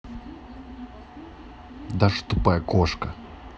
даша тупая кошка